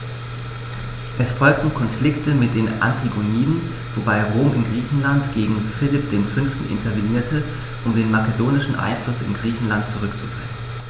Es folgten Konflikte mit den Antigoniden, wobei Rom in Griechenland gegen Philipp V. intervenierte, um den makedonischen Einfluss in Griechenland zurückzudrängen.